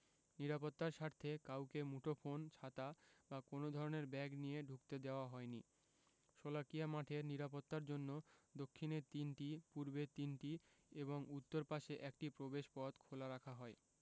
নিরাপত্তার স্বার্থে কাউকে মুঠোফোন ছাতা বা কোনো ধরনের ব্যাগ নিয়ে ঢুকতে দেওয়া হয়নি শোলাকিয়া মাঠের নিরাপত্তার জন্য দক্ষিণে তিনটি পূর্বে তিনটি এবং উত্তর পাশে একটি প্রবেশপথ খোলা রাখা হয়